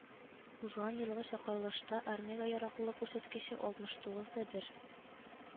Узган елгы чакырылышта армиягә яраклылык күрсәткече алтмыш тугыз дә бер